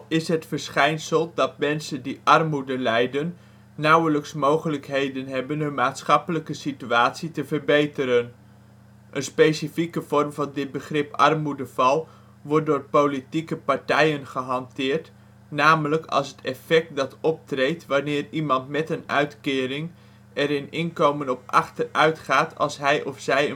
is het verschijnsel dat mensen die (relatieve) armoede lijden nauwelijks mogelijkheden hebben hun maatschappelijke situatie te verbeteren. Een specifieke vorm van dit begrip ' armoedeval ' wordt door politieke partijen (van links tot rechts) gehanteerd, namelijk als het effect dat optreedt wanneer iemand met een uitkering er in inkomen op achteruitgaat als hij of zij